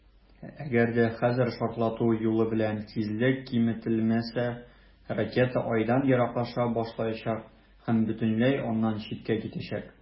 Әгәр дә хәзер шартлату юлы белән тизлек киметелмәсә, ракета Айдан ераклаша башлаячак һәм бөтенләй аннан читкә китәчәк.